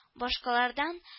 Башкалардан